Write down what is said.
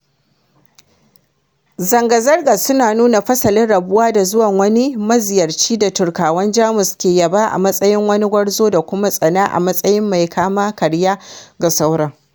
Zanga-zangar suna nuna fasalin rabuwa na zuwan wani maziyarci da Turkawan Jamus ke yaba a matsayin wani gwarzo da kuma tsana a matsayin mai-kama-karya ga sauran.